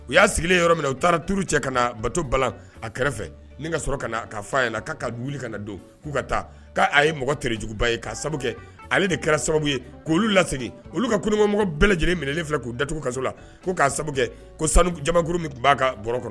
U y'a sigilen yɔrɔ min na u taara tuuru cɛ ka na bato a kɛrɛfɛ ka sɔrɔ ka ka fɔ a ye na ka kaa wuli ka na don k'u ka taa k' a ye mɔgɔ terijuguba ye'a ale de kɛra sababu ye k' olu lase olu ka kungɔ mɔgɔ bɛɛ lajɛlen minɛnen filɛ k'u dat kaso la ko k'a ko sanu jakuru min tun b'a ka bɔ kɔnɔ